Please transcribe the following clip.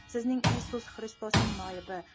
sizning iisus xristosning noibi